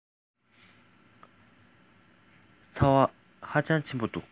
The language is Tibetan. ཚ བ ཧ ཅང ཆེན པོ འདུག